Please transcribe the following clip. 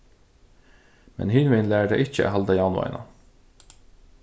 men hinvegin lærir tað ikki at halda javnvágina